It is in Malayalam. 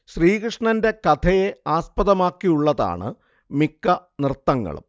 ശ്രീകൃഷ്ണന്റെ കഥയെ ആസ്പദമാക്കിയുള്ളതാണ് മിക്ക നൃത്തങ്ങളും